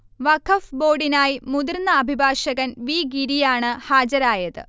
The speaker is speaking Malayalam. വഖഫ് ബോഡിനായി മുതിർന്ന അഭിഭാഷകൻ വി ഗിരിയാണ് ഹാജരായത്